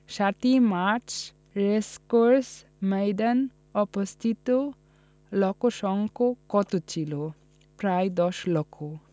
৭ই মার্চ রেসকোর্স ময়দানে উপস্থিত লোকসংক্ষা কত ছিলো প্রায় দশ লক্ষ